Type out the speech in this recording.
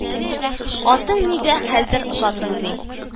Атың ни дә хәзер, затың ни